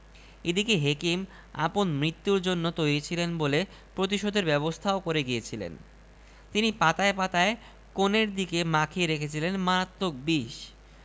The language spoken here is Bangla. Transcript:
এদিকে হেকিম আপন মৃত্যুর জন্য তৈরি ছিলেন বলে প্রতিশোধের ব্যবস্থাও করে গিয়েছিলেন তিনি পাতায় পাতায় কোণের দিকে মাখিয়ে রেখেছিলেন মারাত্মক বিষ